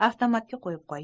avtomatga qo'yib qo'y